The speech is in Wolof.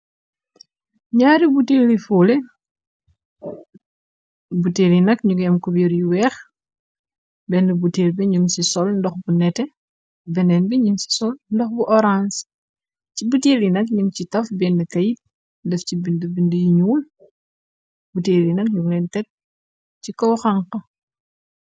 Njaari butehli foleh, butehl yi nak njungy am couberre yu weex, benu butehl bi njung ci sol ndox bu neteh, benen bi njung ci sol ndox bu ohranse, ci butehl yi nak njung ci taf benu keit def ci bindu bindu yu njull, butehl yi nak njung lehn tek ci kaw khanka.